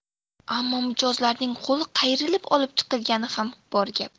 ammo mijozlarning qo'li qayrilib olib chiqilgani ham bor gap